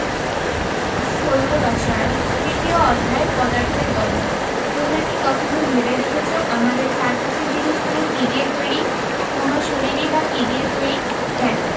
১৬ রসায়ন তৃতীয় অধ্যায় পদার্থের গঠন তোমরা কি কখনো ভেবে দেখেছ আমাদের চারপাশের জিনিসগুলো কী দিয়ে তৈরি তোমার শরীরই বা কী দিয়ে তৈরি হ্যাঁ